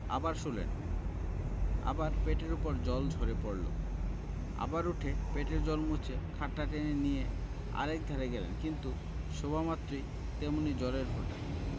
আবার শুলেন আবার পেটের উপর জল ঝরে পড়ল আবার উঠে পেটের জল মুছে খাটটা টেনে নিয়ে আর একধারে গেলেন কিন্তু শোবামাত্রই তেমনি জলের ফোঁটা